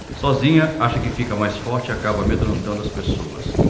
sozinha acha que fica mais forte e acaba amedrontando as pessoas